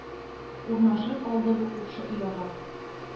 Урнашып алды бу купшы ояга.